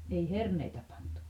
ei herneitä pantu